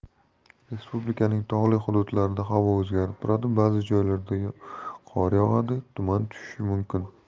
respublikaning tog'li hududlarida havo o'zgarib turadi ba'zi joylarda qor yog'adi tuman tushishi mumkin